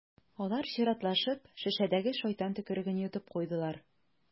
Алар чиратлашып шешәдәге «шайтан төкереге»н йотып куйдылар.